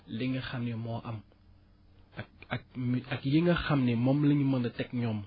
li nga xam ne moo am ak ak ak yi nga xam ne moom la ñu mën a teg ñoom